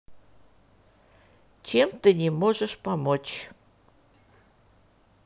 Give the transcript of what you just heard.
чем ты не можешь помочь